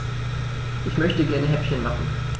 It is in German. Ich möchte gerne Häppchen machen.